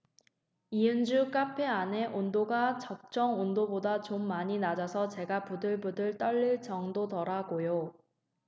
이은주 카페 안에 온도가 적정 온도보다 좀 많이 낮아서 제가 부들부들 떨릴 정도더라고요